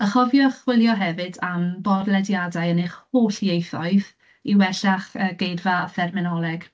A chofiwch chwilio hefyd am bodlediadau yn eich holl ieithoedd, i wella'ch yy geirfa a therminoleg.